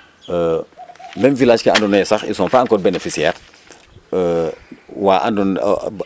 meme village ke andoona yee ils sont pas encore bénéficiaire wa andoona